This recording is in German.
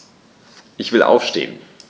Ich will aufstehen.